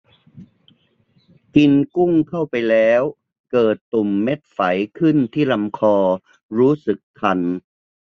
กินกุ้งเข้าไปแล้วเกิดตุ่มเม็ดไฝขึ้นที่ลำคอรู้สึกคัน